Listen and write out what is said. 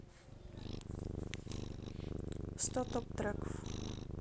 сто топ треков